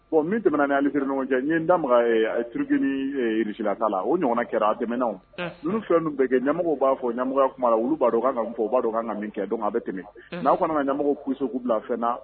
Bon min tɛmɛna' alise ɲɔgɔn cɛ ye n da a yeurukcinisilaka la o ɲɔgɔn kɛra dɛmɛw olu fɛn bɛ kɛ ɲamɔgɔ b'a fɔ ɲamɔgɔ kuma olu b'a dɔn kan ka fɔ u b'a kan ka min kɛ dɔn a bɛ tɛmɛ n'a fana ma ɲamɔgɔso k'u bila fɛn na